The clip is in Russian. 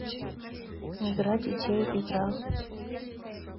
игра детей игра